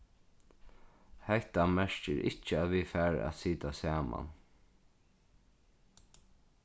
hetta merkir ikki at vit fara at sita saman